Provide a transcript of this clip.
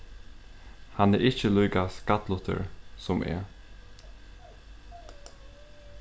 hann er ikki líka skallutur sum eg